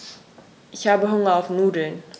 Ich habe Hunger auf Nudeln.